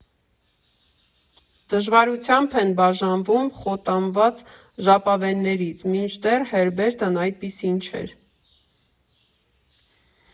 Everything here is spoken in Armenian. Դժվարությամբ են բաժանվում խոտանված ժապավեններից, մինչդեռ Հերբերտն այդպիսին չէր։